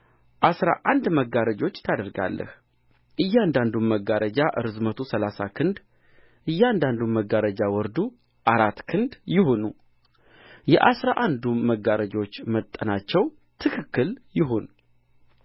አሥራ አንድ መጋረጆች ታደርጋለህ እያንዳንዱም መጋረጃ ርዝመቱ ሠላሳ ክንድ እያንዳንዱም መጋረጃ ወርዱ አራት ክንድ ይሁን የአሥራ አንዱም መጋረጆች መጠናቸው ትክክል ይሁን